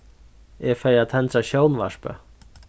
eg fari at tendra sjónvarpið